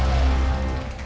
trở